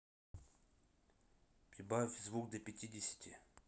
прибавь звук до пятидесяти